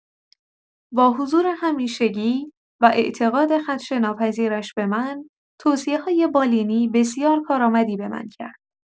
با حضور همیشگی و اعتقاد خدشه‌ناپذیرش به من، توصیه‌های بالینی بسیار کارآمدی به من کرد.